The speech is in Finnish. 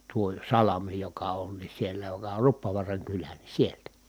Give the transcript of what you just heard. tuo salmi joka on niin siellä joka on Ruppovaaran kylä niin sieltä